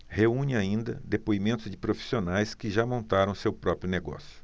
reúne ainda depoimentos de profissionais que já montaram seu próprio negócio